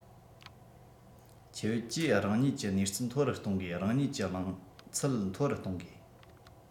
ཁྱོད ཀྱིས རང ཉིད ཀྱི ནུས རྩལ མཐོ རུ གཏོང དགོས རང ཉིད ཀྱི བྱང ཚད མཐོ རུ གཏོང དགོས